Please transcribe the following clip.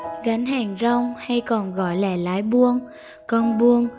gánh hàng rong hay còn gọi là lái buôn con buôn